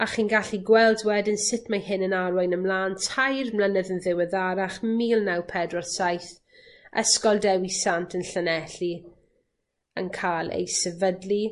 A chi'n gallu gweld wedyn sut mae hyn yn arwain ymlan tair mlynedd yn ddiweddarach mil naw pedwar saith ysgol Dewi Sant yn Llanelli yn ca'l ei sefydlu.